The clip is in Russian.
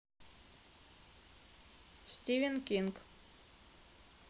стивен кинг